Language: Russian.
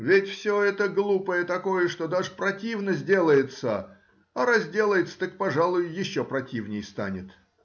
Ведь все это глупое такое, что даже противно сделается, а разделается, так, пожалуй, еще противней станет.